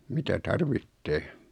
mitä tarvitsee